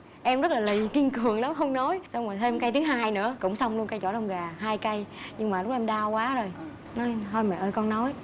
em rất là lì kiên cường nói không nói xong rồi thêm cây thứ hai nữa cũng xong luôn cây chổi lông gà hai cây nhưng mà lúc em đau quá rồi nói thôi mẹ ơi con nói